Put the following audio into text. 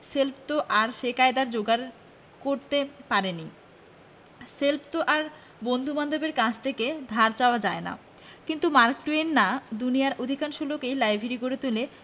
shelf তো আর সে কায়দায় যোগাড় করতে পারি নে শেলফ তো আর বন্ধুবান্ধবের কাছ থেকে ধার চাওয়া যায় না শুধু মার্ক টুয়েনই না দুনিয়ার অধিকাংশ লোকই লাইব্রেরি গড়ে তোলে